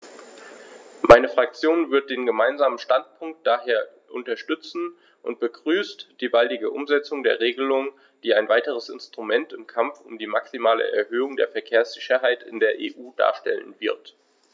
Meine Fraktion wird den Gemeinsamen Standpunkt daher unterstützen und begrüßt die baldige Umsetzung der Regelung, die ein weiteres Instrument im Kampf um die maximale Erhöhung der Verkehrssicherheit in der EU darstellen wird.